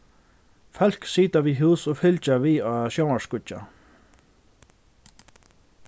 fólk sita við hús og fylgja við á sjónvarpsskíggja